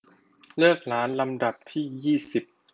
เลือกร้านลำดับที่ยี่สิบ